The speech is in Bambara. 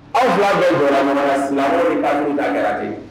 Aw 2 bɛɛ jɔn na ɲɔgɔn na, silamɛw ni kafiriw ta kɛra ten